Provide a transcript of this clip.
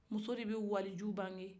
muso de bɛ waliju bange